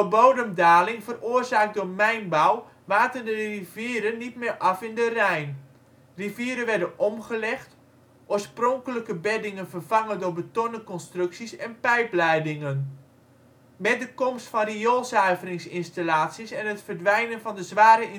bodemdaling, veroorzaakt door mijnbouw, waterden rivieren niet meer af in de Rijn. Rivieren werden omgelegd, oorspronkelijke beddingen vervangen door betonnen constructies en pijpleidingen. Met de komst van rioolzuiveringsinstallaties en het verdwijnen van de zware